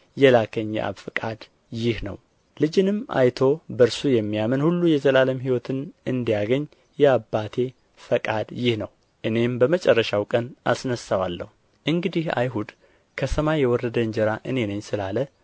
የላከኝ የአብ ፈቃድ ይህ ነው ልጅንም አይቶ በእርሱ የሚያምን ሁሉ የዘላለም ሕይወትን እንዲያገኝ የአባቴ ፈቃድ ይህ ነው እኔም በመጨረሻው ቀን አስነሣዋለሁ እንግዲህ አይሁድ ከሰማይ የወረደ እንጀራ እኔ ነኝ ስላለ